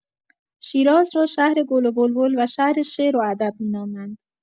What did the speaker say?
شیراز را شهر گل و بلبل و شهر شعر و ادب می‌نامند.